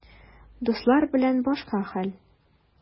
Дуслар белән башка хәл.